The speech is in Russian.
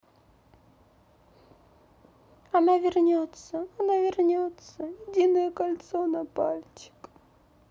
она вернется она вернется единое кольцо на пальчик